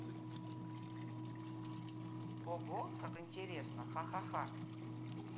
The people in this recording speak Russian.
ого как интересно ха ха ха